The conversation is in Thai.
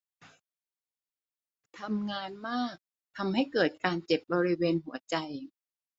ทำงานมากทำให้เกิดการเจ็บบริเวณหัวใจ